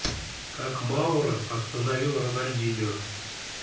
как маура остановил роналдиньо